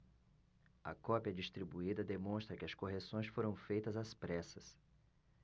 a cópia distribuída demonstra que as correções foram feitas às pressas